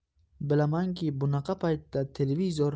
bilamanki bunaqa paytda